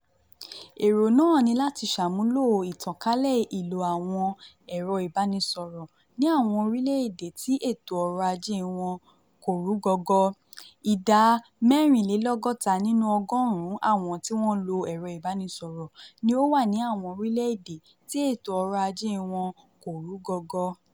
Èrò náà ni láti sàmúlò ìtànkálẹ̀ ìlò àwọn ẹ̀rọ ìbánisọ̀rọ̀ ní àwọn orílẹ́ èdè tí ètò ọ̀rọ̀ ajé wọn kò rú gọ́gọ́ - idá 64 nínú ọgọ́rùn-ún àwọn tí wọ́n ń lo ẹ̀rọ ìbánisọ̀rọ̀ ni ó wà ní àwọn orílẹ́ èdè tí ètò ọrọ̀ ajé wọn kò rú gọ́gọ́.